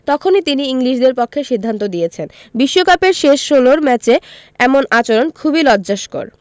তখনই তিনি ইংলিশদের পক্ষে সিদ্ধান্ত দিয়েছেন বিশ্বকাপের শেষ ষোলর ম্যাচে এমন আচরণ খুবই লজ্জাস্কর